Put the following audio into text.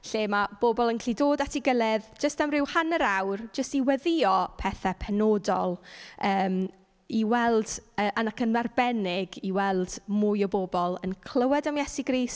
Lle ma' bobl yn gallu dod at ei gilydd, jyst am ryw hanner awr, jyst i weddïo pethe penodol yym i weld... yy ac yn arbennig i weld mwy o bobl yn clywed am Iesu Grist.